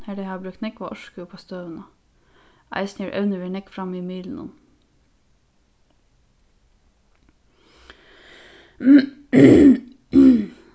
har tey hava brúkt nógva orku uppá støðuna eisini hevur evnið verið nógv frammi í miðlunum